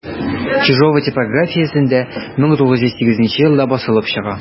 Чижова типографиясендә 1908 елда басылып чыга.